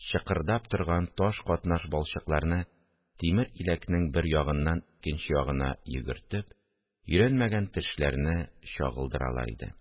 Чыкырдап торган таш катнаш балчыкларны тимер иләкнең бер ягыннан икенче ягына йөгертеп өйрәнмәгән тешләрне чагылдыралар иде